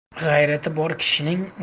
g'ayrati bor kishining